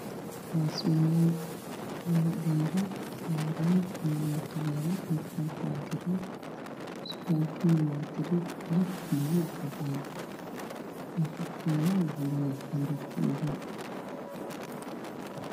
Waa surwaal lugadheera oo saaran meel mutuleel garee ah. Surwaalka kalarkiisu waa garee, madow iyo cadaan waxuu leeyahay xarig madow ah.